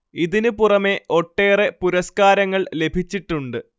ഇതിന് പുറമെ ഒട്ടേറെ പുരസ്കാരങ്ങള്‍ ലഭിച്ചിട്ടുണ്ട്